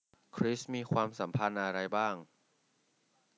คริสมีความสัมพันธ์อะไรบ้าง